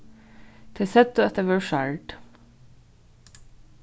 tey søgdu at tey vórðu særd